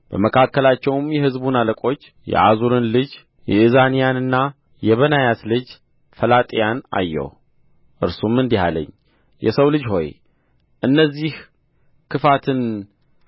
በመካከላቸውም የሕዝቡን አለቆች የዓዙርን ልጅ ያእዛንያንና የበናያስ ልጅ ፈላጥያን አየሁ እርሱም እንዲህ አለኝ የሰው ልጅ ሆይ እነዚህ ክፋትን